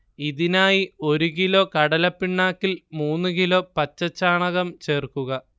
ഇതിനായി ഒരു കിലോ കടലപ്പിണ്ണാക്കിൽ മൂന്ന് കിലോ പച്ചച്ചാണകം ചേർക്കുക